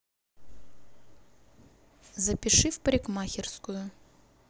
запиши в парикмахерскую